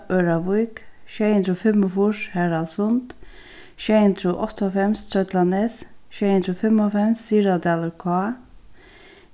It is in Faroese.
ørðavík sjey hundrað og fimmogfýrs haraldssund sjey hundrað og áttaoghálvfems trøllanes sjey hundrað og fimmoghálvfems syðradalur k